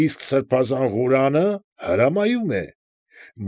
Իսկ սրբազան ղուրանը հրամայում է։